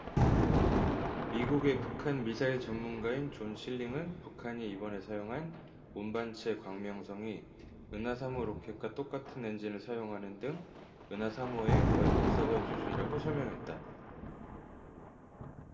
미국의 북한 미사일 전문가인 존 실링은 북한이 이번에 사용한 운반체 광명성이 은하 삼 호 로켓과 똑같은 엔진을 사용하는 등 은하 삼 호의 거의 복사본 수준이라고 설명했다